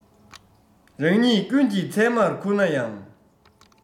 རང ཉིད ཀུན གྱིས ཚད མར ཁུར ན ཡང